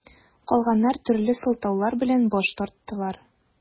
Калганнар төрле сылтаулар белән баш тарттылар.